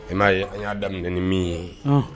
I ma ye an ya daminɛ ni min ye